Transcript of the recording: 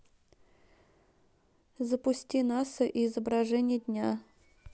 запусти наса изображение дня